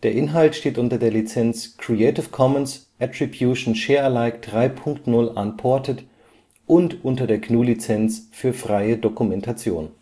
Inhalt steht unter der Lizenz Creative Commons Attribution Share Alike 3 Punkt 0 Unported und unter der GNU Lizenz für freie Dokumentation